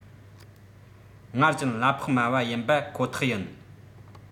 སྔར བཞིན གླ ཕོགས དམའ བ ཡིན པ ཁོ ཐག ཡིན